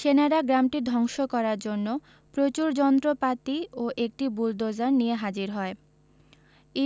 সেনারা গ্রামটি ধ্বংস করার জন্য প্রচুর যন্ত্রপাতি ও একটি বুলোডোজার নিয়ে হাজির হয়